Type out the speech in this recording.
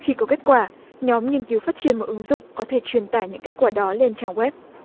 khi có kết quả nhóm nghiên cứu phát triển một ứng dụng có thể truyền tải những kết quả đó lên trang goép